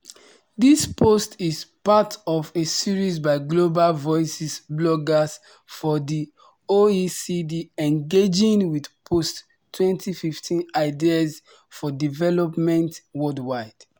This post is part of a series by Global Voices bloggers for the OECD engaging with post-2015 ideas for development worldwide.